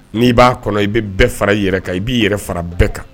N'i b'a kɔnɔ i bɛ bɛɛ fara i yɛrɛ kan i b'i yɛrɛ fara bɛɛ kan